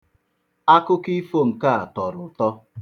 Akụkọ ifo nke a tọrọ ụtọ.